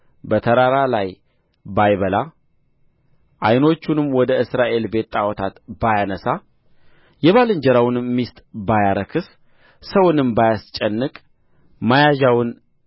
በተራራ ላይ ባይበላ ዓይኖቹንም ወደ እስራኤል ቤት ጣዖታት ባያነሣ የባልንጀራውንም ሚስት ባያረክስ ሰውንም ባያስጨንቅ መያዣውን